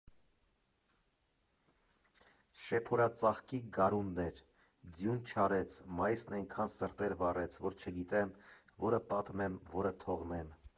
Շեփորածաղկի գարունն էր, ձյուն չարեց, մայիսն էնքան սրտեր վառեց, որ չգիտեմ՝ որը պատմեմ, որը թողնեմ։